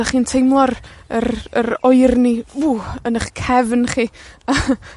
'dych chi'n teimlo'r, yr yr oerni ww yn 'ych cefn chi.